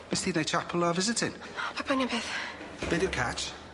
Nest ti neud chapel a visiting. O pai' poeni am peth. Be' dyw'r catch?